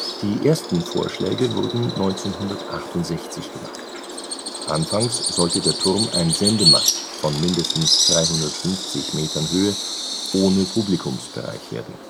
Die ersten Vorschläge wurden 1968 gemacht; anfangs sollte der Turm ein Sendemast von mindestens 350 Metern Höhe ohne Publikumsbereich werden